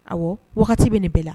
Awɔ wagati bɛ